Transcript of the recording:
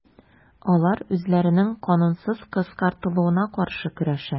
Алар үзләренең канунсыз кыскартылуына каршы көрәшә.